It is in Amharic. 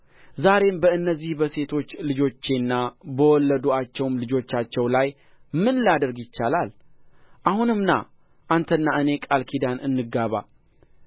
ዛሬም በእነዚህ በሴቶች ልጆቼና በወለዱአቸው ልጆቻቸው ላይ ምን ላደርግ ይቻላል አሁንም ና አንተና እኔ ቃል ኪዳን እንጋባ